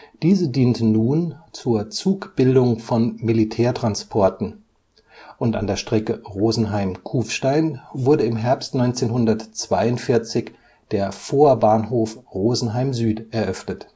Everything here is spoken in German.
diese diente nun zur Zugbildung von Militärtransporten, und an der Strecke Rosenheim – Kufstein wurde im Herbst 1942 der Vorbahnhof Rosenheim Süd eröffnet